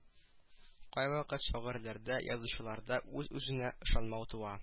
Кайвакыт шагыйрьләрдә язучыларда үз-үзенә ышанмау туа